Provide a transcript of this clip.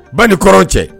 Ba ni kɔrɔn cɛ